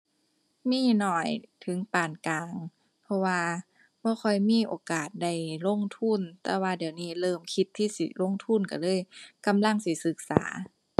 มีน้อยถึงปานกลาง เพราะว่าบ่ค่อยมีโอกาสได้ลงทุน แต่ว่าเดี๋ยวนี้เริ่มคิดที่สิลงทุนก็เลยกำลังสิศึกษา